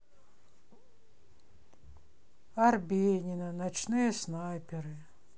арбенина ночные снайперы